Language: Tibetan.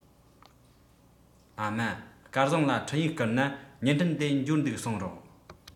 ཨ མ སྐལ བཟང ལ འཕྲིན ཡིག བསྐུར ན བརྙན འཕྲིན དེ འབྱོར འདུག གསུངས རོགས